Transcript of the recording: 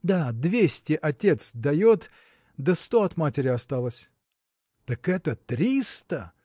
– Да, двести отец дает да сто от матери осталось. – Так это триста!